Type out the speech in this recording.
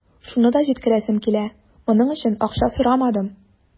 Шуны да җиткерәсем килә: моның өчен акча сорамадым.